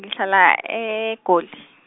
ngihlala eGoli.